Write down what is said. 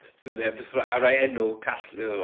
neu beth bynnag a roi enw call iddo fo...